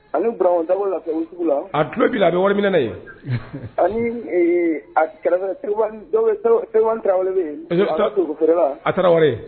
Ani Burama Dawu bi lafiyabugu sugu la. A kulo bi la, a bi wari minɛ na yen. Ani a kɛrɛfɛ Sekubani tarawelela a Tarawele. Ani Sogo feere la.